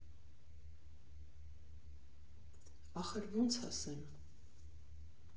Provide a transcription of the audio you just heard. Ախր ո՞նց ասեմ։